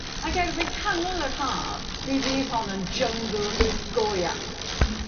Ag erbyn canol yr Haf mi fydd hon yn jyngl go iawn.